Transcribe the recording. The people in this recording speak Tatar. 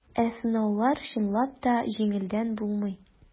Ә сынаулар, чынлап та, җиңелдән булмый.